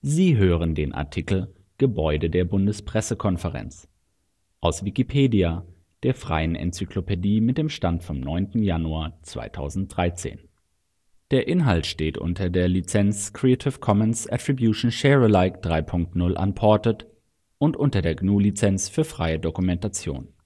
Sie hören den Artikel Gebäude der Bundespressekonferenz, aus Wikipedia, der freien Enzyklopädie. Mit dem Stand vom Der Inhalt steht unter der Lizenz Creative Commons Attribution Share Alike 3 Punkt 0 Unported und unter der GNU Lizenz für freie Dokumentation